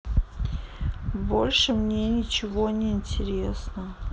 больше мне ничего не интересно